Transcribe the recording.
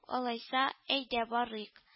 Алайса, әйтә барыйк